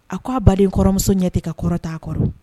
A k ko aa ba in kɔrɔmuso ɲɛ tɛ ka kɔrɔ t'a kɔrɔ